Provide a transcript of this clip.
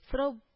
Сорау